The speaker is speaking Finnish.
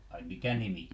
ai mikä nimi